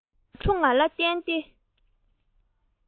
ཟ འཕྲོ ང ལ བསྟན ཏེ